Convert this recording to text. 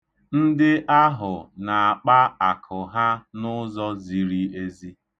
Ndị ahụ na-akpa akụ ha n'ụzọ ziri ezi.